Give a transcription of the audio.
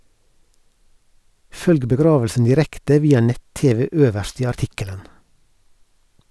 Følg begravelsen direkte via nett-tv øverst i artikkelen.